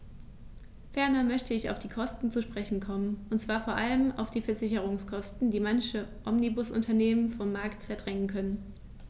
Ferner möchte ich auf die Kosten zu sprechen kommen, und zwar vor allem auf die Versicherungskosten, die manche Omnibusunternehmen vom Markt verdrängen könnten.